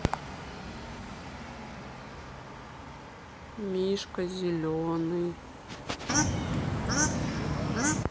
мишка зеленый